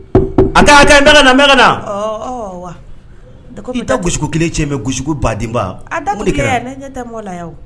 ; A kaɲi , a kaɲi, n bɛ ka na, n bɛ ka na; Ɔɔ, wa, n'o tɛ ko min; Da gosi ko 1 ye tiɲɛ ye, mais gosi ko ba den ba! A da tugulen yɛ, ne ɲɛ tɛ mɔgɔ la yan o.